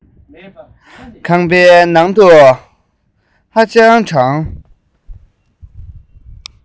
ཁང པའི ནང དུ ཧ ཅང གྲང